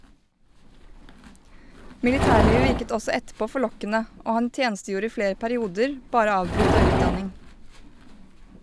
Militærlivet virket også etterpå forlokkende , og han tjenestegjorde i flere perioder, bare avbrutt av utdanning.